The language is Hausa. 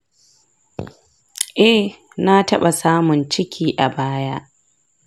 eh na taɓa samun ciki a baya